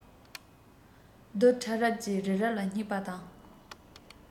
རྡུལ ཕྲ རབ ཀྱིས རི རབ ལ བསྙེགས པ དང